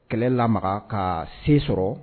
Kɛlɛ lamaka ka se sɔrɔ